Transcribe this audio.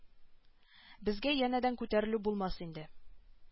Безгә янәдән күтәрелү булмас инде